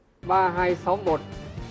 ba hai sáu một